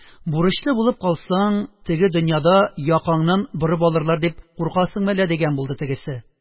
– бурычлы булып калсаң, теге дөньяда якаңнан борып алырлар дип куркасыңмы әллә? – дигән булды тегесе